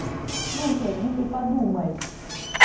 слушай ну ты подумай